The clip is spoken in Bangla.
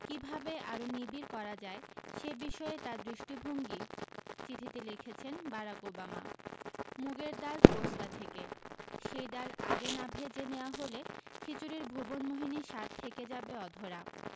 কী ভাবে আরও নিবিড় করা যায় সেই বিষয়ে তাঁর দৃষ্টিভঙ্গী চিঠিতে লিখেছেন বারাক ওবামা মুগের ডাল পোস্তা থেকে সেই ডাল আগে না ভেজে নেওয়া হলে খিচুড়ির ভুবনমোহিনী স্বাদ থেকে যাবে অধরা